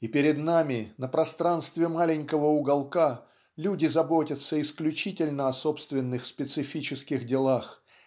и перед нами на пространстве маленького уголка люди заботятся исключительно о собственных специфических делах